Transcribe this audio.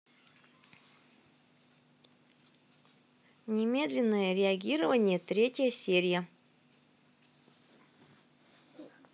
немедленное реагирование третья серия